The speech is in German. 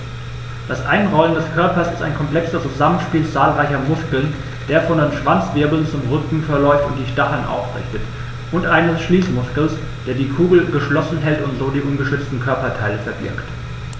Das Einrollen des Körpers ist ein komplexes Zusammenspiel zahlreicher Muskeln, der von den Schwanzwirbeln zum Rücken verläuft und die Stacheln aufrichtet, und eines Schließmuskels, der die Kugel geschlossen hält und so die ungeschützten Körperteile verbirgt.